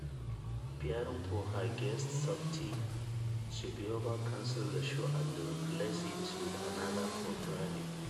Fearing for her guests’ safety, Shabuyeva cancelled the show and replaced it with another programming.